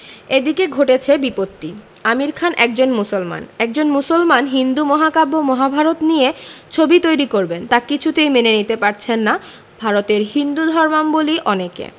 এদিকে ঘটেছে বিপত্তি আমির খান একজন মুসলমান একজন মুসলমান হিন্দু মহাকাব্য মহাভারত নিয়ে ছবি তৈরি করবেন তা কিছুতেই মেনে নিতে পারছেন না ভারতের হিন্দুধর্মাবলম্বী অনেকে